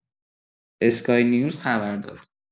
اسکای‌نیوز نیز خبر داد